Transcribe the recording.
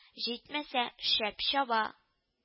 Җитмәсә, шәп чаба